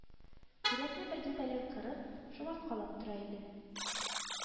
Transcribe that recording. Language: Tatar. Кирәкле бер детален кырып, шомарткалап тора иде